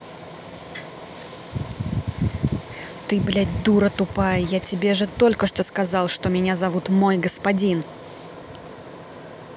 ты блядь дура тупая я тебе же только что сказал что меня зовут мой господин